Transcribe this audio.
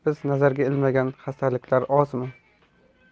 nazarga ilmagan xastaliklar ozmi